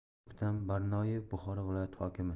o'ktam barnoyev buxoro viloyati hokimi